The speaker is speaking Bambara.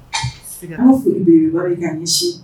An ko bi wari naani ni si